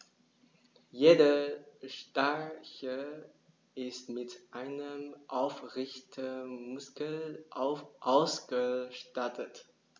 Jeder Stachel ist mit einem Aufrichtemuskel ausgestattet.